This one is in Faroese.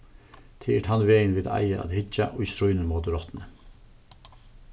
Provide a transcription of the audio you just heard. tað er tann vegin vit eiga at hyggja í stríðnum móti rottuni